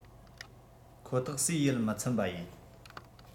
ཁོ ཐག ཟས ཡིད མི ཚིམ པ ཡིན